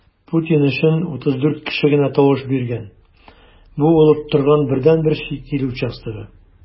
Путин өчен 34 кеше генә тавыш биргән - бу ул оттырган бердәнбер чит ил участогы.